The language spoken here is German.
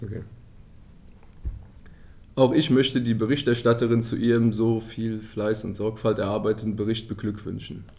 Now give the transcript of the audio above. Auch ich möchte die Berichterstatterin zu ihrem mit so viel Fleiß und Sorgfalt erarbeiteten Bericht beglückwünschen.